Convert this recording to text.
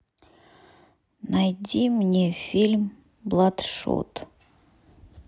найди мне фильм бладшот